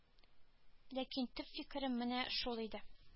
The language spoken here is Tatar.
Ләкин төп фикерем менә шул иде